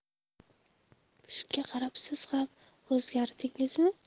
shunga qarab siz ham o'zgardingizmi